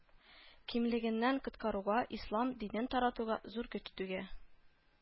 Кимлегеннән коткаруга, ислам динен таратуга зур көт түгә